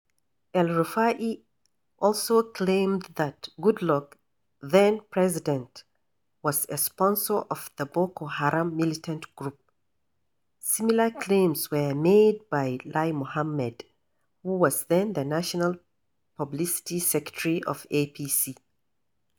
El-Rufai also claimed that Goodluck, then president, was a sponsor of the Boko Haram militant group. Similar claims were made by Lai Mohammed, who was then the National Publicity Secretary of APC.